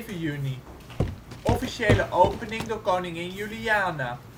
juni: Officiële opening door koningin Juliana